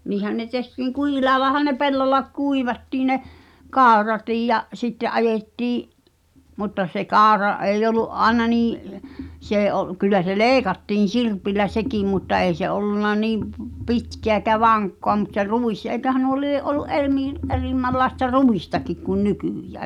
niinhän ne tehtiin kuhilaillahan ne pellolla kuivattiin ne kauratkin ja sitten ajettiin mutta se kaura ei ollut aina niin se ei - kyllä se leikattiin sirpillä sekin mutta ei se ollut niin - pitkää eikä vankkaa mutta se ruis eiköhän nuo lie ollut -- erimmänlaista ruistakin kuin nykyään